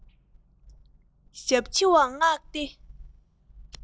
ཞབས ཕྱི བ མངགས ཏེ